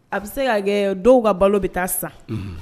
A bɛ se k ka kɛ dɔw ka balo bɛ taa san